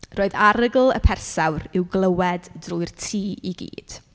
Roedd arogl y persawr i'w glywed drwy'r tŷ i gyd.